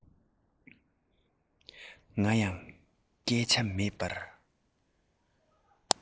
ང ཡང སྐད ཆ མེད པར